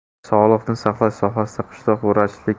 sog'liqni saqlash sohasida qishloq vrachlik